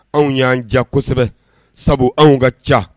Anw y'an diya kosɛbɛ sabu anw ka ca